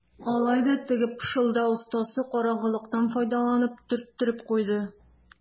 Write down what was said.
Алай да теге пышылдау остасы караңгылыктан файдаланып төрттереп куйды.